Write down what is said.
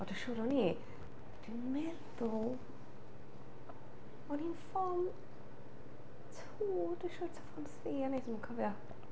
O dwi'n siŵr o'n i... dwi'n meddwl o'n i 'n form two, dwi'n siŵr, ta form three o'n i? Dwi'm yn cofio.